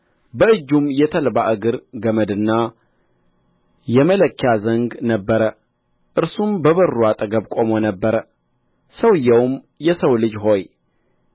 በእጁም የተልባ እግር ገመድና የመለኪያ ዘንግ ነበረ እርሱም በበሩ አጠገብ ቆሞ ነበር ሰውዬውም የሰው ልጅ ሆይ